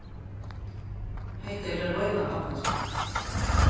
hetta er tað reina barnaspæl